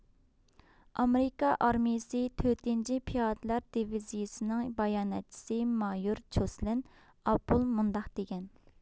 ئامېرىكا ئارمىيىسى تۆتىنچى پىيادىلەر دىۋىزىيىسىنىڭ باياناتچىسى مايور چوسلىن ئاپول مۇنداق دېدى